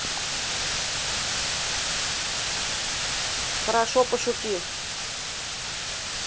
хорошо пошути